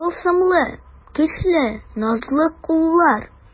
Тылсымлы, көчле, назлы куллар.